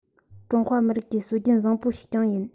ཀྲུང ཧྭ མི རིགས ཀྱི སྲོལ རྒྱུན བཟང པོ ཞིག ཀྱང ཡིན